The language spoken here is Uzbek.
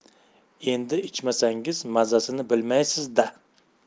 endi ichmasangiz mazasini bilmaysiz da